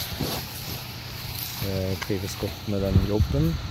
Trives godt med den jobben.